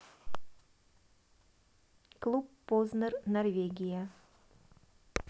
ютуб познер норвегия